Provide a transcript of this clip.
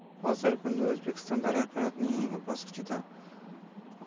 hozirgi kunda o'zbekiston taraqqiyotining yangi bosqichida